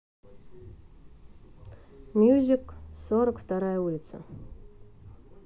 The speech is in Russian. musical сорок вторая улица